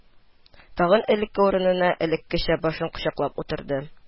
Тагын элекке урынына, элеккечә башын кочаклап утырды